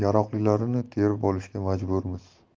yaroqlilarini terib olishga majburmiz